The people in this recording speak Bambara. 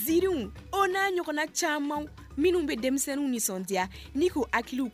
Ziiriw o n'a ɲɔgɔnna caman minnu bɛ denmisɛnninw nisɔndiya ni ko a hakiliw